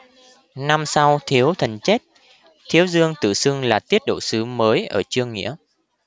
năm sau thiếu thành chết thiếu dương tự xưng là tiết độ sứ mới ở chương nghĩa